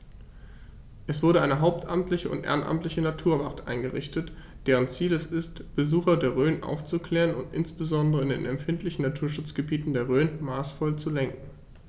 Es wurde eine hauptamtliche und ehrenamtliche Naturwacht eingerichtet, deren Ziel es ist, Besucher der Rhön aufzuklären und insbesondere in den empfindlichen Naturschutzgebieten der Rhön maßvoll zu lenken.